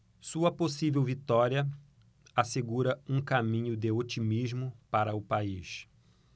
sua possível vitória assegura um caminho de otimismo para o país